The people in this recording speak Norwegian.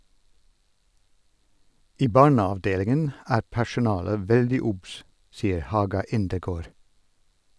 I barneavdelingen er personalet veldig obs, sier Haga Indergaard.